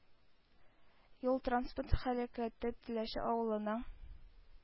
Юлтранспорт һәлакәте теләче авылының